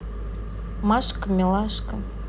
машка милашка